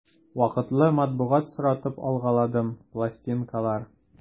Вакытлы матбугат соратып алгаладым, пластинкалар...